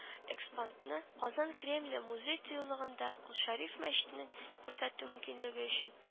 Экспонтны казан кремле музей-тыюлыгында, кол шәриф мәчетенең күрсәтү мөмкинлеге өчен